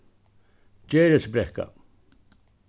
gerðisbrekka